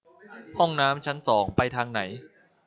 ห้องน้ำชั้นสองไปทางไหน